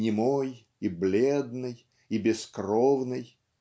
Немой и бледной и бескровной.